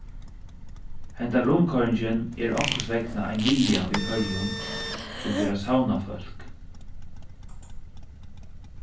hendan rundkoyringin er onkursvegna ein miðja í føroyum sum fer at savna fólk